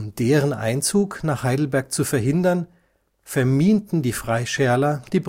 deren Einzug nach Heidelberg zu verhindern, verminten die Freischärler die